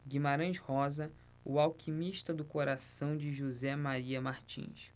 guimarães rosa o alquimista do coração de josé maria martins